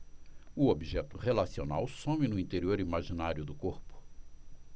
o objeto relacional some no interior imaginário do corpo